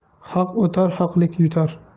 haq o'tar haqlik yutar